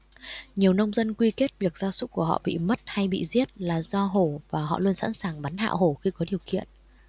nhiều nông dân quy kết việc gia súc của họ bị mất hay bị giết là do hổ và họ luôn sẵn sàng bắn hạ hổ khi có điều kiện